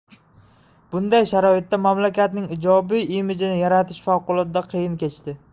bunday sharoitda mamlakatning ijobiy imijini yaratish favqulodda qiyin kechdi